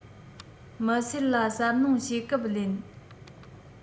མི སེར ལ གསབ སྣོན བྱེད སྐབས ལེན